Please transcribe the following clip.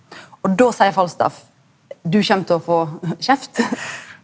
og då seier Falstaff du kjem til å få kjeft .